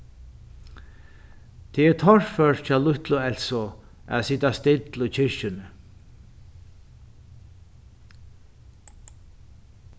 tað er torført hjá lítlu elsu at sita still í kirkjuni